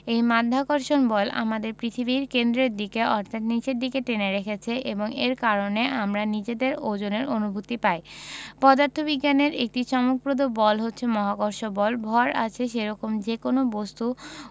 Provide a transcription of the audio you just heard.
এই মাধ্যাকর্ষণ বল আমাদের পৃথিবীর কেন্দ্রের দিকে অর্থাৎ নিচের দিকে টেনে রেখেছে এবং এর কারণেই আমরা নিজেদের ওজনের অনুভূতি পাই পদার্থবিজ্ঞানের একটি চমকপ্রদ বল হচ্ছে মহাকর্ষ বল ভর আছে সেরকম যেকোনো বস্তু